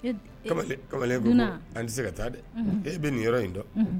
Kamalen tɛ se ka taa dɛ e bɛ nin yɔrɔ in dɔn